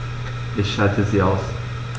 Ich schalte sie aus.